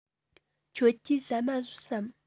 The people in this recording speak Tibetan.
ཁྱེད ཀྱིས ཟ མ ཟོས སམ